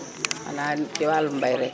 xanaa ci wàllum mbay rek